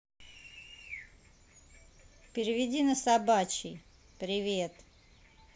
переведи на собачий привет